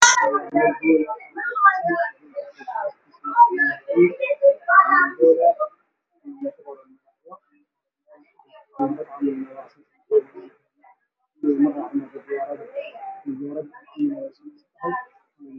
Waa kuraas badan oo kuwa Diyaaradaha midab koodu waxaa dahabi